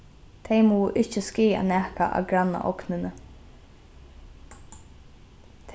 tey mugu ikki skaða nakað á grannaognini